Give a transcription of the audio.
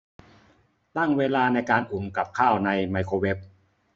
ตั้งเวลาในการอุ่นกับข้าวในไมโครเวฟ